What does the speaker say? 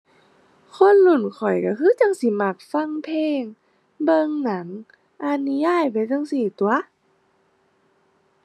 คนรุ่นข้อยก็คือจั่งสิมักฟังเพลง เบิ่งหนัง อ่านนิยายไปจั่งซี้ตั่ว